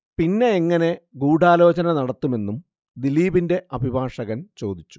പിന്നെ എങ്ങനെ ഗുഢാലോചന നടത്തുമെന്നും ദിലീപിന്റെ അഭിഭാഷകൻ ചോദിച്ചു